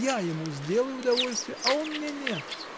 Я ему сделай удовольствие, а он мне нет.